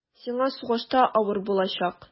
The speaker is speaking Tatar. Сиңа сугышта авыр булачак.